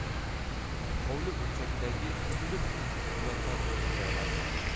hovli burchagidagi uyilib yotgan g'o'zapoyalar oldiga boradi